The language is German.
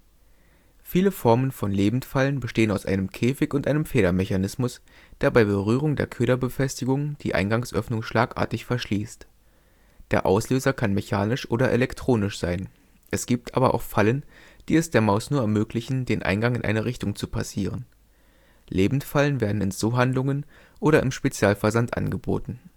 Viele Formen von Lebendfallen bestehen aus einem Käfig und einem Federmechanismus, der bei Berührung der Köderbefestigung die Eingangsöffnung schlagartig verschließt. Der Auslöser kann mechanisch oder elektronisch sein, es gibt aber auch Fallen, die es der Maus nur ermöglichen, den Eingang in eine Richtung zu passieren. Lebendfallen werden in Zoohandlungen oder im Spezialversand angeboten